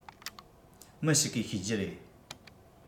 མི ཞིག གིས ཤེས ཀྱི རེད